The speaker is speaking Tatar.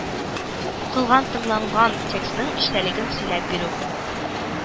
Укылган тыңланган текстның эчтәлеген сөйләп бирү